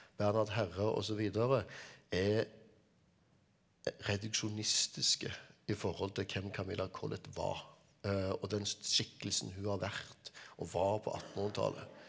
Bernard Herre osv. er reduksjonistiske i forhold til hvem Camilla Collett var og den skikkelsen hun har vært og var på attenhundretallet.